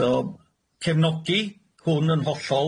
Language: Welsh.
So cefnogi hwn yn hollol.